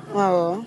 Ɔ